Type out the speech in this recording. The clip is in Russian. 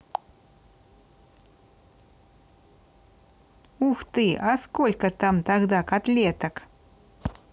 ух ты а сколько там тогда котлеток